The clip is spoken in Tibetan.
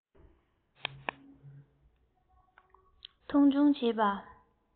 མཐོང ཆུང བྱེད པ